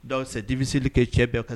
donc c'est que cɛ bɛɛ ka